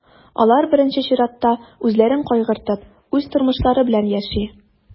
Алар, беренче чиратта, үзләрен кайгыртып, үз тормышлары белән яши.